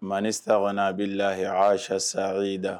Ma ni sara a bɛ layi asas ye da